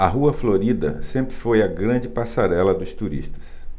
a rua florida sempre foi a grande passarela dos turistas